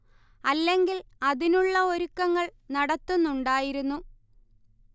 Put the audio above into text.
അല്ലെങ്കിൽ അതിനുള്ള ഒരുക്കുങ്ങൾ നടത്തുന്നുണ്ടായിരുന്നു